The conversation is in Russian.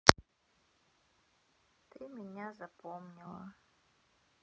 ты меня запомнила